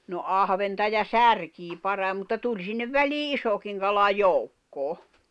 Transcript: no ahventa ja särkeä parhain mutta tuli sinne väliin isokin kala joukkoon